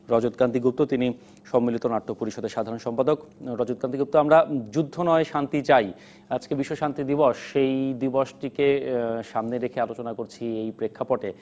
রজত কান্তি গুপ্ত তিনি সম্মিলিত নাট্য পরিষদের সাধারণ স¤পাদক রজত কান্তি গুপ্ত আমরা যুদ্ধ নয় শান্তি চাই আজকে বিশ্ব শান্তি দিবস এই দিবসটিকে সামনে রেখে আলোচনা করছি এই প্রেক্ষাপটে